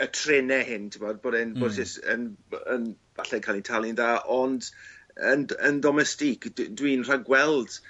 y trene hyn t'bod bod e'n... Hmm. ... yn yn falle'n ca'l 'i talu'n dda ond yn dy- yn Domestique d- dwi'n rhagweld